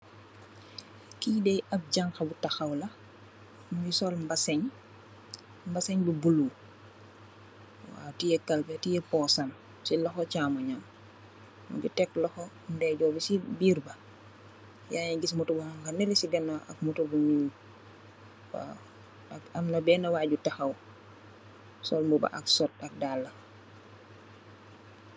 Kee deh ab janha bu tahaw la muge sol bazin, bazin bu blue waw teyeh kalpeh teye posam se lohou chamunyem muge tek lohou ndeyjorr se birr ba yage giss motor bu hauha nele se ganaw ak motor bu njol waw ak amna bena wa ju tahaw sol short ak muba ak dalla.